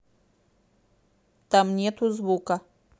там нету звука